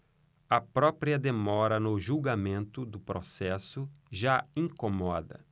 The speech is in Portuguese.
a própria demora no julgamento do processo já incomoda